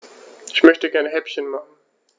Ich möchte gerne Häppchen machen.